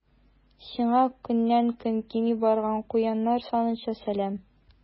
Сиңа көннән-көн кими барган куяннар санынча сәлам.